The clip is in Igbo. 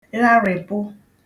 gharị̀pụ